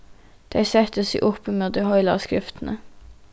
tey settu seg upp ímóti heilagu skriftini